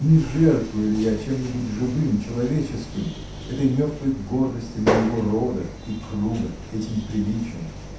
Не жертвую ли я чем-нибудь живым, человеческим, этой мертвой гордости моего рода и круга, этим приличиям?